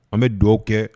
An bɛ dɔw kɛ